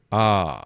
A